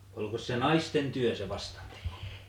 olikos se naisten työ se vastanteko